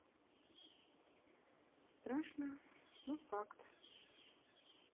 страшно но факт